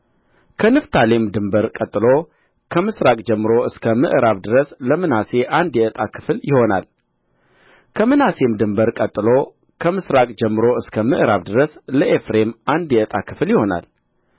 ከንፍታሌም ድንበር ቀጥሎ ከምሥራቅ ጀምሮ እስከ ምዕራብ ድረስ ለምናሴ አንድ የዕጣ ክፍል ይሆናል ከምናሴም ድንበር ቀጥሎ ከምሥራቅ ጀምሮ እስከ ምዕራብ ድረስ ለኤፍሬም አንድ የዕጣ ክፍል ይሆናል